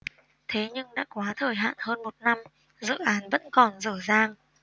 thế nhưng đã quá thời hạn hơn một năm dự án vẫn còn dở dang